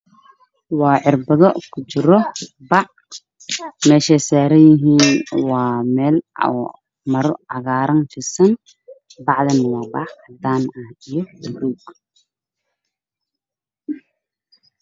Waa cirbado ku jira bac meesha ay saaranyihiin waa mid cagaar